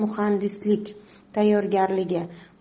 muhandislik tayyorgarligi